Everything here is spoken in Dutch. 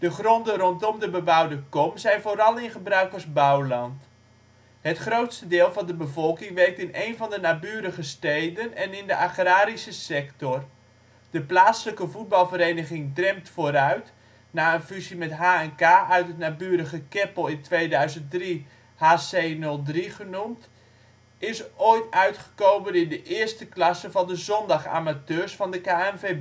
gronden rondom de bebouwde kom zijn vooral in gebruik als bouwland. Het grootste deel van de bevolking werkt in een van de naburige steden en in de agrarische sector. De plaatselijke voetbalvereniging Drempt Vooruit (na de fusie met H&K uit het naburige Keppel in 2003 HC'03 genoemd) is ooit uitgekomen in de 1e klasse van de zondagamateurs van de KNVB. De